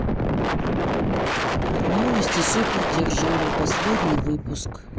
новости супердержавы последний выпуск